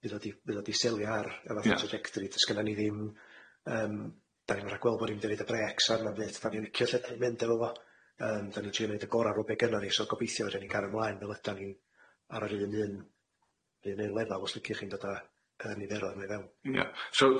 bydd o 'di bydd o 'di selio ar y fatha trajectory do's gynno ni ddim yym 'dan ni'n ragweld bo ni'n mynd i roid y brêcs ar na'm byd 'da ni'n licio lle'n 'da ni'n mynd efo fo yym 'dan ni'n trio neud y gora' r be gynno ni so gobeithio fydden ni'n cario mlaen fel ydan ni'n ar yr un un un lefel os liciwch chi'n dod a yy niferodd 'ma fewn.